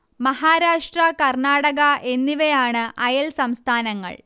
മഹാരാഷ്ട്ര കർണ്ണാടക എന്നിവയാണ് അയൽ സംസ്ഥാനങ്ങൾ